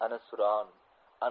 ana suron